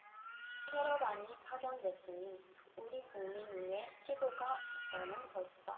테러단이 파견됐으니 우리국민 위해 시도가 있는 것이다